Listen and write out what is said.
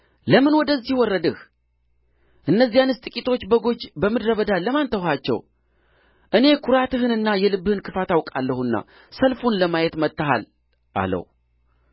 ለምን ወደዚህ ወረድህ እነዚያንስ ጥቂቶች በጎች በምድረ በዳ ለማን ተውሃቸው እኔ ኵራትህንና የልብህን ክፋት አውቃለሁና ሰልፉን ለማየት መጥተሃል አለው